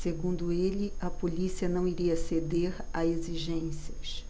segundo ele a polícia não iria ceder a exigências